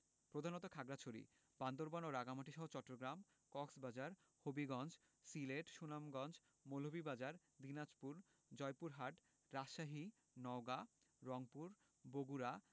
প্রধানত খাগড়াছড়ি বান্দরবান ও রাঙ্গামাটিসহ চট্টগ্রাম কক্সবাজার হবিগঞ্জ সিলেট সুনামগঞ্জ মৌলভীবাজার দিনাজপুর জয়পুরহাট রাজশাহী নওগাঁ রংপুর বগুড়া